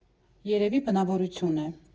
Երևի բնավորություն է.